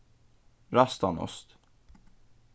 ræstan ost